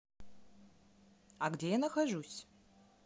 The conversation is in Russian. а где я нахожусь